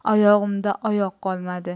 oyog'imda oyoq qolmadi